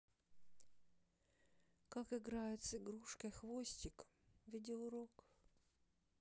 как играют с игрушкой хвостиком видеоурок